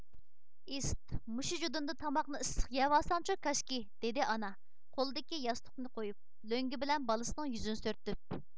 ئىسىت مۇشۇ جۇدۇندا تاماقنى ئىسسق يەۋالساڭچۇ كاشكى دىدى ئانا قولىدىكى ياستۇقنى قويۇپ لۆڭگە بىلەن بالسىنىڭ يۈزىنى سۈرتۈپ